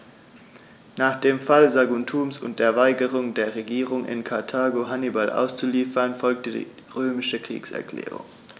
Nach dem Fall Saguntums und der Weigerung der Regierung in Karthago, Hannibal auszuliefern, folgte die römische Kriegserklärung.